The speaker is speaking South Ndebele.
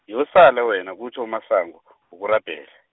yosale wena kutjho uMasango , ngokurabhela.